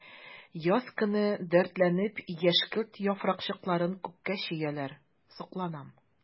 Яз көне дәртләнеп яшькелт яфракчыкларын күккә чөяләр— сокланам.